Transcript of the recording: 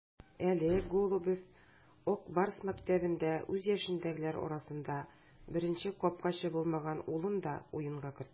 Әле Голубев "Ак Барс" мәктәбендә үз яшендәгеләр арасында беренче капкачы булмаган улын да уенга кертте.